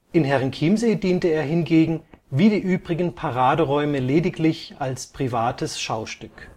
in Herrenchiemsee diente er hingegen wie die übrigen Paraderäume lediglich als privates Schaustück